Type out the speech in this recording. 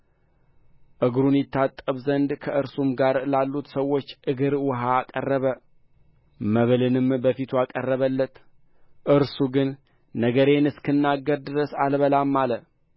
እግሩን ይታጠብ ዘንድ ከእርሱም ጋር ላሉት ሰዎች እግር ውኃ አቀረበ መብልንም በፊቱ አቀረበለት እርሱ ግን ነገሬን እስክናገር ድረስ አልበላም አለ